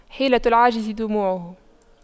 حيلة العاجز دموعه